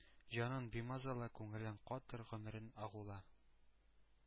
Җанын бимазала, күңелен катыр, гомерен агула...